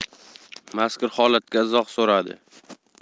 mazkur holatga izoh so'radi